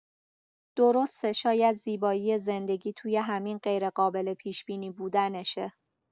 درسته، شاید زیبایی زندگی توی همین غیرقابل پیش‌بینی بودنشه.